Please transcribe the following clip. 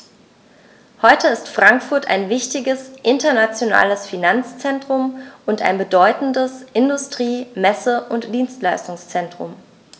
Heute ist Frankfurt ein wichtiges, internationales Finanzzentrum und ein bedeutendes Industrie-, Messe- und Dienstleistungszentrum.